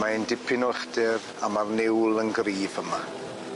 Mae'n dipyn o uchder a ma'r niwl yn gryf yma.